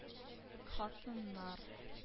Хатыннар